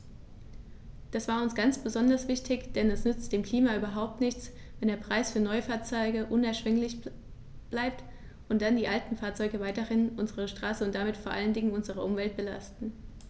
Das war uns ganz besonders wichtig, denn es nützt dem Klima überhaupt nichts, wenn der Preis für Neufahrzeuge unerschwinglich bleibt und dann die alten Fahrzeuge weiterhin unsere Straßen und damit vor allen Dingen unsere Umwelt belasten.